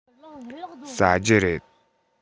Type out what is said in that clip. ཟ རྒྱུ རེད